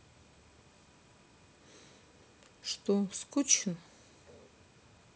что скучно